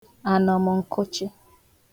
ànọ̀mụ̀nkụchị